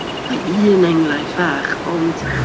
Mae'n un enghraifft fach, ond...